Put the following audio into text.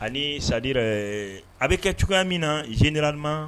Ani sadi a bɛ kɛ cogoya min na zedr ma